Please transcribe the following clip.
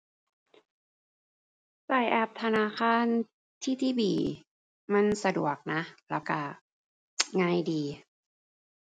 ใช้แอปธนาคาร TTB มันสะดวกนะ แล้วใช้ ง่ายดี